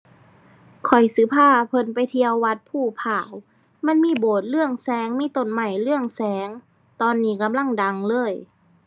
ข้อยสิพาเพิ่นไปเที่ยววัดภูพร้าว มันมีโบสถ์เรืองแสง มีต้นไม้เรืองแสง ตอนนี้กำลังดังเลย